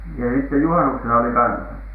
ja itse juhannuksena oli kanssa